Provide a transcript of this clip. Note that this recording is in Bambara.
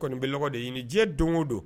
Kɔni bɛ de ɲini diɲɛ don o don